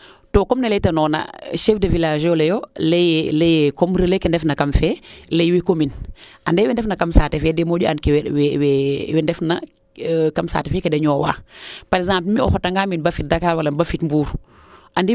to comme ne leyta noona chef du village o leyo leye relais ke ndef na kam fee ley commune ande wee ndefna kam saate fe den moƴu and wee ndef na kam saate fee keede ñoowa parce :fraq ue mi o xota ngaam im bafit Dackar wala im bafit Mbour